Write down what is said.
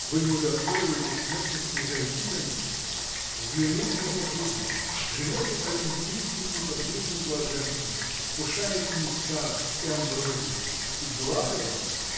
— Вы не удостоиваете смертных снизойти до них, взглянуть на их жизнь, живете олимпийским неподвижным блаженством, вкушаете нектар и амброзию — и благо вам!